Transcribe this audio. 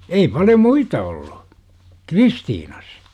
ei paljon muita ollut Kristiinassa